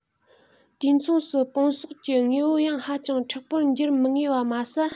དུས མཚུངས སུ སྤུང བསགས ཀྱི དངོས པོ ཡང ཧ ཅང མཁྲེགས པོར འགྱུར མི ངེས པ མ ཟད